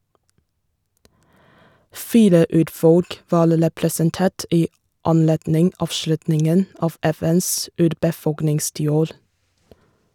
Fire urfolk var representert i anledning avslutningen av FNs urbefolkningstiår.